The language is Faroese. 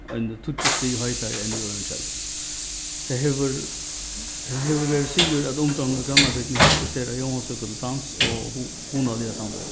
eini tíggju stig heitari enn í øðrum keldum tað hevur tað hevur verið siður at ungdómur úr grannabygdini hittist her á jóansøku til dans og hugnaliga samveru